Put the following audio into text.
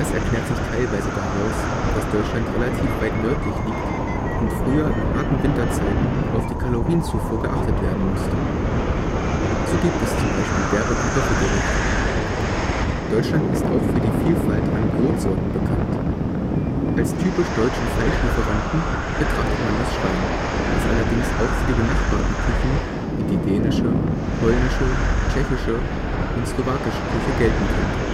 erklärt sich teilweise daraus, dass Deutschland relativ weit nördlich liegt und früher in harten Winterzeiten auf die Kalorienzufuhr geachtet werden musste. So gibt es z. B. derbe Kartoffelgerichte. Deutschland ist auch für die Vielfalt an Brotsorten bekannt. Als „ typisch deutschen “Fleischlieferanten betrachtet man das Schwein, was allerdings auch für die benachbarten Küchen, wie die dänische, polnische, tschechische, slowakische Küche gelten könnte